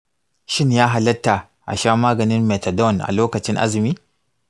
shin ya halatta a sha maganin methadone a lokacin azumi?